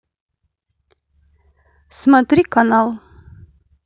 смотри канал